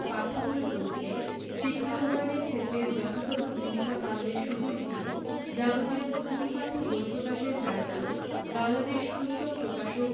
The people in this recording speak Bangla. পাঠ্য বই বোর্ডকে শিক্ষা উন্নয়নের ক্ষেত্রে যথাযথ ভূমিকা পালনের সুযোগ দিয়ে যাবতীয় স্কুল পাঠ্য বই প্রকাশের দায়িত্ব বাংলাদেশ পুস্তক প্রকাশক